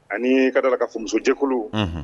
Ani ka da la ka fɔ musojɛkolo